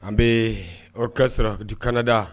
An bɛ oka sɔrɔ dukanda